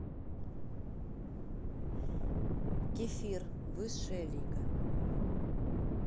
кефир высшая лига